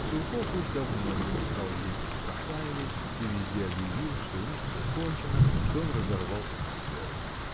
Сурков уж давно перестал ездить к Тафаевой и везде объявил что у них все кончено что он разорвал с ней связь.